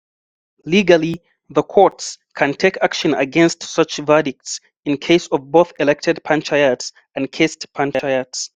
Legally, the courts can take action against such verdicts in case of both elected panchayats and caste panchayats.